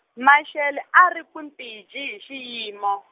Mashele a ri kwipinji hi xiyimo.